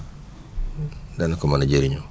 dana ko mën a jëriñoo